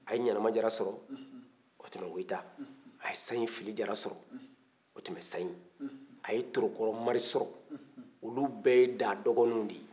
a ye ɲanaman jara sɔrɔ o tun bɛ goyita a ye sahin fili jara sɔrɔ o tun bɛ sahin a ye tɔrɔkɔrɔ mari sɔrɔ olu bɛɛ ye da dɔgɔninw de ye